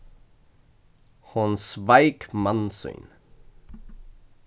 hon sveik mann sín